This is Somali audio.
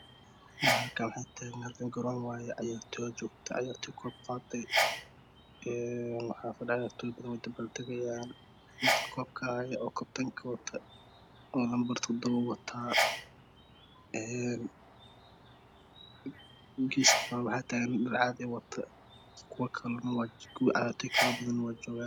Halkaan garoon waaye cayaartoow joogta ciyaartoy koob qaaday ciyaaray badan way dabaaldagayaan midka koobka hayo oo kabtanka wato lanbar todobo buu wataa geeska kale waxaa taagan nin dhar caadi wato kuwa kale ciyaartooy badan waa joogaan